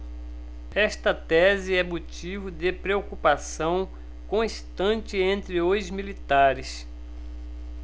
esta tese é motivo de preocupação constante entre os militares